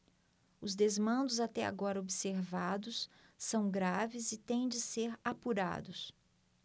os desmandos até agora observados são graves e têm de ser apurados